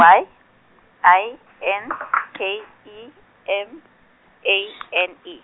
Y I N K E M A N E.